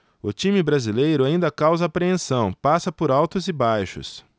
o time brasileiro ainda causa apreensão passa por altos e baixos